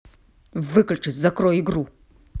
выключи закрой игру